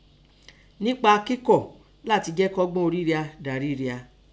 Nẹpa kẹkọ̀ lati jẹ́ kọ́gbọ́n ori ria dari ria.